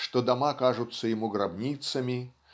что дома кажутся ему гробницами